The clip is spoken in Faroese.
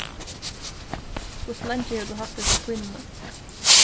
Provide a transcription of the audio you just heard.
hvussu leingi hevur tú havt hesa pínuna